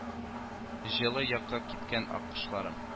Җылы якка киткән аккошларым